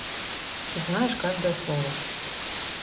ты знаешь каждое слово